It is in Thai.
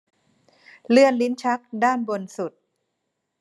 เลื่อนลิ้นชักด้านบนสุด